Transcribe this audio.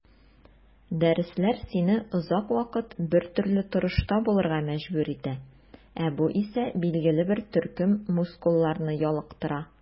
Дәресләр сине озак вакыт бертөрле торышта булырга мәҗбүр итә, ә бу исә билгеле бер төркем мускулларны ялыктыра.